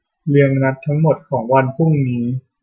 เรียงนัดทั้งหมดของวันพรุ่งนี้